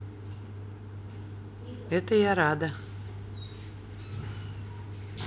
это я рада